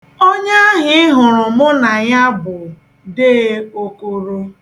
Onye ahụ ị hụrụ mụ na ya bụ dee Okoro.